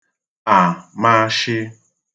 àmashị